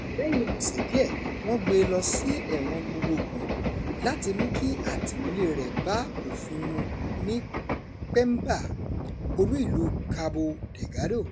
Lẹ́yìn ọ̀sẹ̀ díẹ̀, wọ́n gbé e lọ sí ẹ̀wọ̀n gbogboògbò láti mú kí àtìmọ́lé rẹ̀ bá òfin mu ní Pemba, olú ìlú Cabo Delgado.